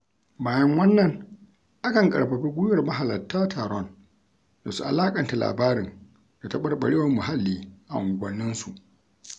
Bayan wannan, akan ƙarfafi guiwar mahalarta taron da su alaƙanta labarin da taɓarɓarewar muhalli a unguwanninsu.